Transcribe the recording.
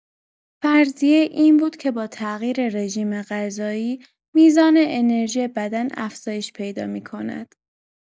فرضیه این بود که با تغییر رژیم‌غذایی، میزان انرژی بدن افزایش پیدا می‌کند.